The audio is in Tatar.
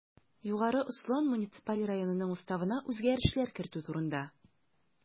Югары Ослан муниципаль районынның Уставына үзгәрешләр кертү турында